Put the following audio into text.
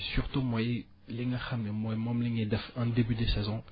surtout mooy li nga xam ne mooy moom la ñuy def en début de saison